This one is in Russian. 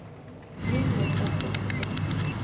видео про котиков